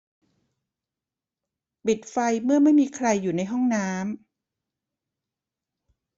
ปิดไฟเมื่อไม่มีใครอยู่ในห้องน้ำ